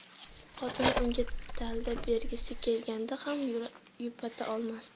xotini unga dalda bergisi kelganda ham yupata olmasdi